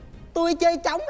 tui chơi trống